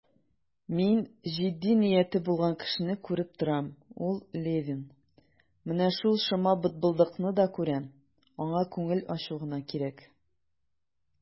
Мин җитди нияте булган кешене күреп торам, ул Левин; менә шул шома бытбылдыкны да күрәм, аңа күңел ачу гына кирәк.